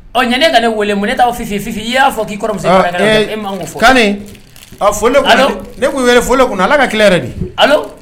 Ɔ ɲɛnɛ ka ne weele mun ne t'a fi fi i y'a fɔ k'i kɔrɔ ne' wele foli kɔnɔ ala ka kɛlɛ yɛrɛ di